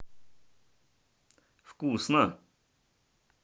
вкусно